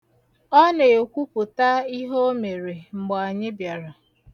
Ọ na-ekwupụta ihe o mere mgbe anyị bịara.